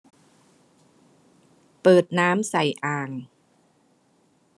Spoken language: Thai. เปิดน้ำใส่อ่าง